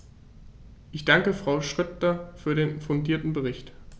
Ich danke Frau Schroedter für den fundierten Bericht.